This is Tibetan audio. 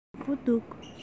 ཡག པོ འདུག